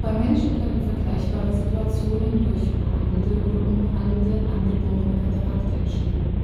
Menschen können vergleichbare Situationen durch (behandelte oder unbehandelte) angeborene Katarakte entstehen